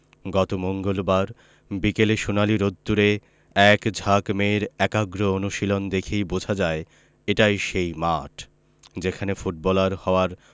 গত মঙ্গলবার বিকেলে সোনালি রোদ্দুরে একঝাঁক মেয়ের একাগ্র অনুশীলন দেখেই বোঝা যায় এটাই সেই মাঠ যেখানে ফুটবলার হওয়ার